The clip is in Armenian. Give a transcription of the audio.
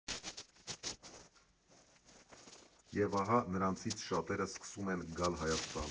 Եվ ահա, նրանցից շատերը սկսում են գալ Հայաստան։